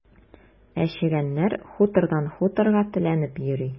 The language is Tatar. Ә чегәннәр хутордан хуторга теләнеп йөри.